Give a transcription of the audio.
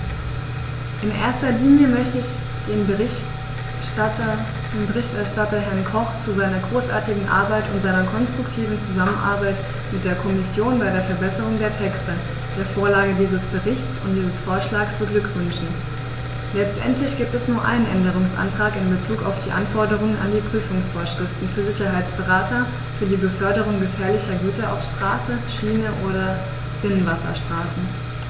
In erster Linie möchte ich den Berichterstatter, Herrn Koch, zu seiner großartigen Arbeit und seiner konstruktiven Zusammenarbeit mit der Kommission bei der Verbesserung der Texte, der Vorlage dieses Berichts und dieses Vorschlags beglückwünschen; letztendlich gibt es nur einen Änderungsantrag in bezug auf die Anforderungen an die Prüfungsvorschriften für Sicherheitsberater für die Beförderung gefährlicher Güter auf Straße, Schiene oder Binnenwasserstraßen.